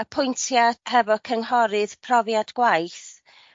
apwyntiad hefo cynghorydd profiad gwaith